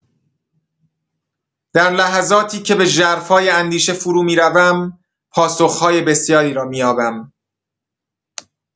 در لحظاتی که به ژرفای اندیشه فرومی‌روم، پاسخ‌های بسیاری را می‌یابم.